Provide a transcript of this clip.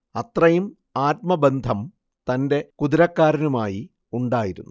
അത്രയും ആത്മബന്ധം തന്റെ കുതിരക്കാരനുമായി ഉണ്ടായിരുന്നു